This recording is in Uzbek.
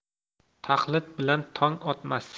taqlid bilan tong otmas